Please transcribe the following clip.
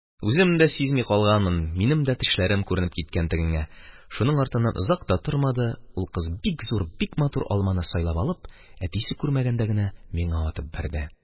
Үзем дә сизми калганмын, минем дә тешләр күренеп киткән тегеңә, шуның артыннан озак та тормады, ул кыз бик зур, бик матур бер алманы сайлап алып, әтисе күрмәгәндә генә, миңа атып бәрде.